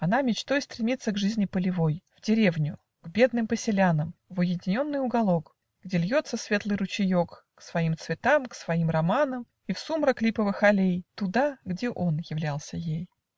она мечтой Стремится к жизни полевой, В деревню, к бедным поселянам, В уединенный уголок, Где льется светлый ручеек, К своим цветам, к своим романам И в сумрак липовых аллей, Туда, где он являлся ей.